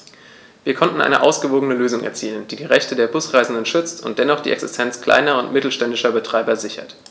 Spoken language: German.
Wir konnten eine ausgewogene Lösung erzielen, die die Rechte der Busreisenden schützt und dennoch die Existenz kleiner und mittelständischer Betreiber sichert.